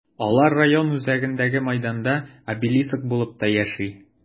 Алар район үзәгендәге мәйданда обелиск булып та яши.